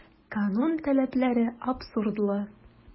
Канун таләпләре абсурдлы.